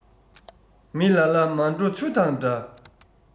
མི ལ ལ མར འགྲོ ཆུ དང འདྲ